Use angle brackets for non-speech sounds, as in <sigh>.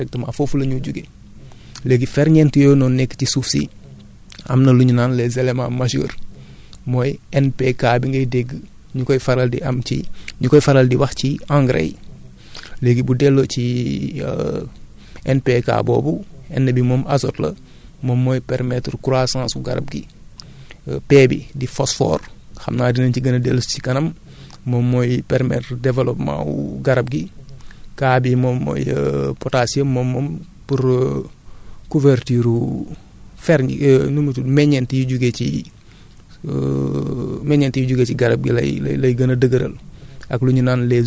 loolu moo leen concerné directement foofu la ñu jugee léegi ferñent yooyu noonu nekk ci suuf si am na lu ñu naan les éléments majeurs mooy NPK bi ngay dégg ñu koy faral di am ci ñu koy faral di wax ci engrais yi léegi bu delloo ci <hesitation> NPK boobu N bi moom azote la <breath> moom mooy permettre croissance su garab gi P bi di phosphore xam naa dinañ ci gën a dellu si si kanam <breath> moom mooy permettre développement wu garab gi K bi moom mooy <hesitation> potasium moom moom pour kuvertiru <hesitation> ferñ <hesitation> nu mu tudd meññeent yi jugee ci <hesitation> meññeent yi jugee ci garab gi lay lay lay gën a dëgëral <breath>